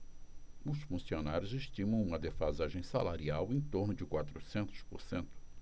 os funcionários estimam uma defasagem salarial em torno de quatrocentos por cento